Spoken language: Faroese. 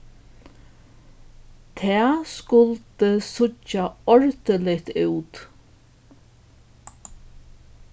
tað skuldi síggja ordiligt út